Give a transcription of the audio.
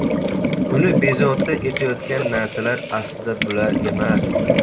uni bezovta etayotgan narsalar aslida bular emas